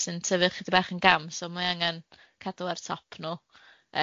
sy'n tyfu chydig bach yn gam, so ma' angan cadw ar top nw.